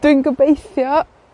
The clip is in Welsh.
dwi'n gobeithio